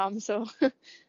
i gwyno am so.